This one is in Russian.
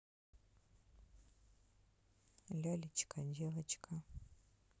лялечка девочка